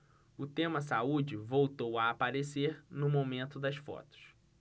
o tema saúde voltou a aparecer no momento das fotos